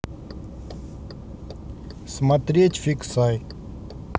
смотреть фиксай